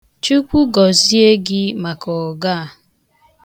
Chukwu gozie gị maka ọgọ a.